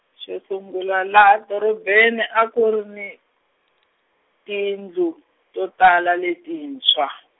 sungula laha doropeni a ku ri ni, tindlu to tala leti letintshwa.